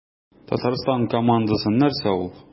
Татарстан командасы нәрсә ул?